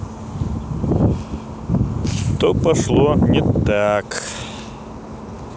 то пошло не так